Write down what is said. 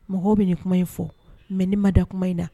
Mɔgɔ bɛ nin kuma in fɔ mais ne ma da kuma in na